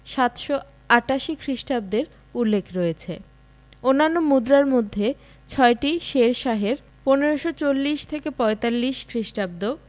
৭৮৮ খ্রিটাব্দের উল্লেখ রয়েছে অন্যান্য মুদ্রার মধ্যে ছয়টি শেরশাহ এর ১৫৪০ ৪৫ খ্রিটাব্দ